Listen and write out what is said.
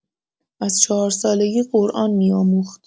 از چهارسالگی قرآن می‌آموخت.